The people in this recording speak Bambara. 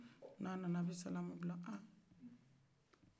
n'a nana a bɛ salamu bila a